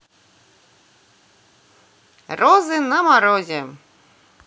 розы на морозе